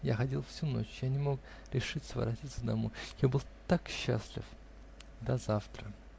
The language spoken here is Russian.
Я ходил всю ночь; я не мог решиться воротиться домой. Я был так счастлив. до завтра!